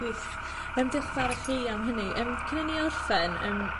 ...gwych yym diolch y' fawr i chi am hynny yym cyn i ni orffen yym